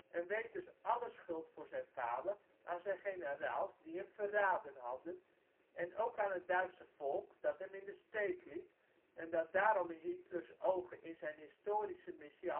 en weet dus alle schuld voor zijn falen aan zijn generaals die hem ' verraden ' hadden en ook aan het Duitse volk dat hem ' in de steek liet ' en dat daarom in Hitlers ogen in zijn historische missie